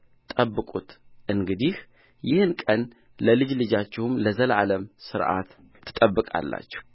ጠብቁት እንግዲህ ይህን ቀን ለልጅ ልጃችሁ ለዘላለም ሥርዓት ትጠብቃላችሁ